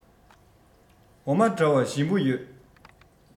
འོ མ འདྲ བ ཞིམ པོ ཡོད